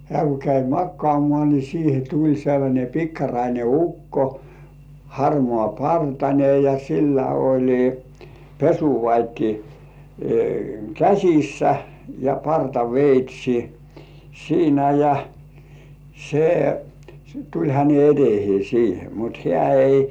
hän kun kävi makaamaan niin siihen tuli sellainen pikkarainen ukko harmaapartainen ja sillä oli pesuvati käsissä ja partaveitsi siinä ja se tuli hänen eteensä siihen mutta hän ei